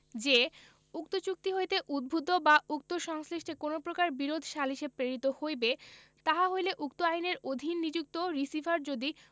যে উক্ত চুক্তি হইতে উদ্ভুত বা উক্ত সংশ্লেষে যে কোন বিরোধ সালিসে প্রেরিত হইবে তাহা হইলে উক্ত আইনের অধীন নিযুক্ত রিসিভার যদি